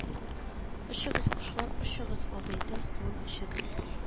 Очыгыз кошлар очыгыз агыйдел суын эчегез